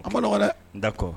A ma nɔgɔ wɛrɛ da kɔ